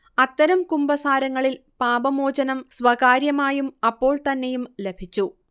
അത്തരം കുമ്പസാരങ്ങളിൽ പാപമോചനം സ്വകാര്യമായും അപ്പോൾത്തന്നെയും ലഭിച്ചു